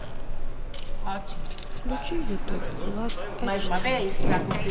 включи ютуб влад а четыре